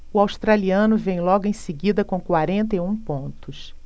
o australiano vem logo em seguida com quarenta e um pontos